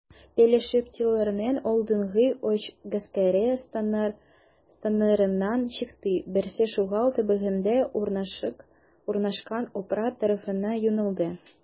Пелештиләрнең алдынгы өч гаскәре, станнарыннан чыкты: берсе Шугал төбәгендә урнашкан Опра тарафына юнәлде.